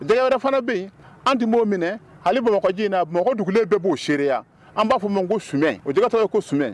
Dɛ wɛrɛ fana bɛ an b'o minɛ hali bamakɔ in bamakɔ dugulen bɛ b'o seere yan an b'a fɔ ma ko o detɔ ye ko sɛmɛ